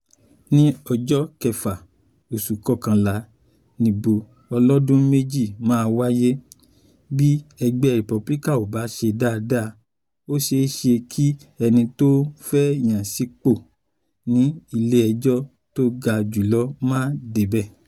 Ní ọjọ kẹfà, oṣù kọkànlá, nìbò ọlọ́dún mẹ́jì máa wáye, Bí egbẹ́ Republican ‘ò bá se dáadáa, ó ṣeéṣe kí ẹni t’ọ́n fẹ́ yàn sí ipo ní ilé-ẹjọ́ to ga jùlọ má débẹ̀.